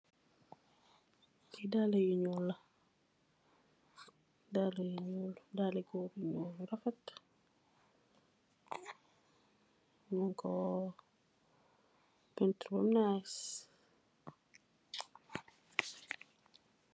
Lee dalah yu nyul la. Dali gorr Bu Rafet la